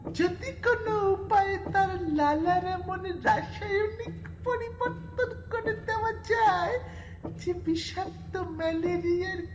যদি কোন উপায়ে তার লালার এমন রাসায়নিক পরিবর্তন করে দেওয়া যায় যে বিষাক্ত ম্যালেরিয়ার